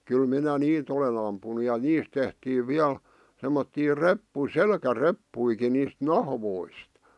kyllä minä niitä olen ampunut ja niistä tehtiin vielä semmoisia - selkäreppujakin niistä nahoista